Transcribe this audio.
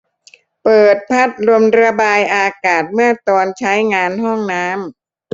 เปิดพัดลมระบายอากาศเมื่อตอนใช้งานห้องน้ำ